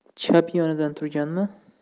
chap yonidan turganmi